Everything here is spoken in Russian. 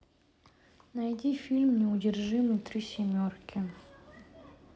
найди фильм неудержимый три семерки